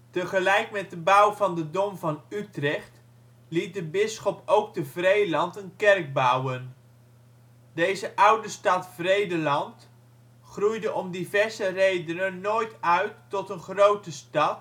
Tegelijk met de bouw van de Dom van Utrecht, liet de bisschop ook te Vreeland een kerk bouwen. Deze oude stad ' Vredelant ' groeide om diverse redenen nooit uit tot een grote stad en